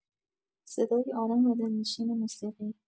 صدای آرام و دلنشین موسیقی